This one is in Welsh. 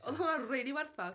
Oedd hwnna'n rili werthfawr.